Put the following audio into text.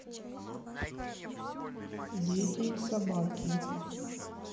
дети и собаки